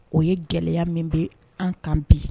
O ye gɛlɛya min bɛ an kan bi